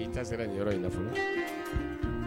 N'i sera ninyɔrɔ in nafolo